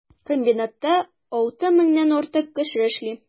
Комбинатта 6 меңнән артык кеше эшли.